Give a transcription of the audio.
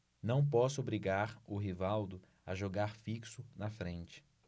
não posso obrigar o rivaldo a jogar fixo na frente